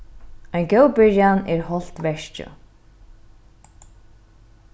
ein góð byrjan er hálvt verkið